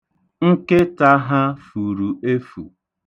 Nkịta ha furu efu.